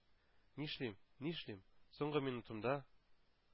Нишлим, нишлим, соңгы минутымда